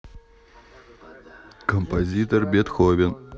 композитор бетховен